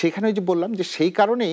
সেখানে ওই যে বললাম সেই কারণে